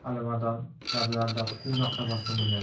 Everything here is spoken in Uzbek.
alimardonning lablarida quvnoq tabassum o'ynadi